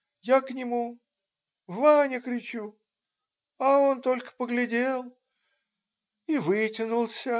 я к нему, Ваня, кричу, а он только поглядел и вытянулся.